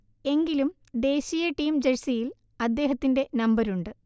എങ്കിലും, ദേശീയ ടീം ജഴ്സിയിൽ അദ്ദേഹത്തിന്റെ നമ്പരുണ്ട്